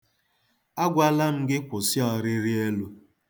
Agwala m gị kwụsị ọrịrị elu.